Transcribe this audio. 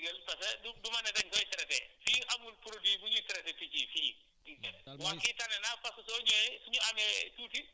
voilà ñenn ngeen nekk fa loolu mooy sama ndigal parce que du du ma ne dañu koy traiter fii amul produit bu ñuy traiter picc yi fii *